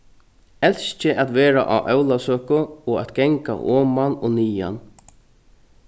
elski at vera á ólavsøku og at ganga oman og niðan